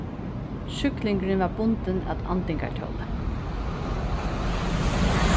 sjúklingurin var bundin at andingartóli